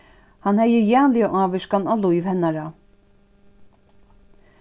hann hevði jaliga ávirkan á lív hennara